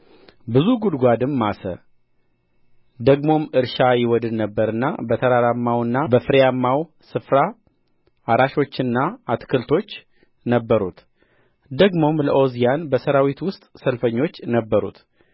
ብዙ ጕድጓድም ማሰ ደግሞም እርሻ ይወድድ ነበርና በተራራማውና በፍሬያማው ስፍራ አራሾችና አትክልተኞች ነበሩት ደግሞም ለዖዝያን በሠራዊት ውስጥ ሰልፈኞች ነበሩት